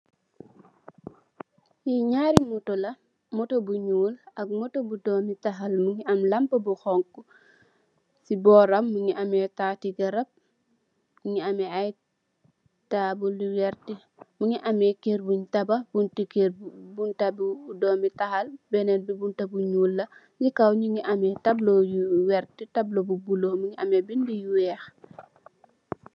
Fi naari moto la, moto bu ñuul ak moto bu doomital mungi am lampa bu honku. Ci boram mungi ameh taati garab, mungi ameh ay taabul yu vert mungi ameh kër bun tabah. Bunti kër bi bunta bu doomital, benen bi bunta bu ñuul la. Ci kaw mungi ameh taabla yu vert taabla bu bulo, mungi ameh bindi yu weeh.